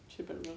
Sir Benfro